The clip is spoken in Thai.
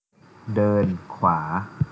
เดินขวา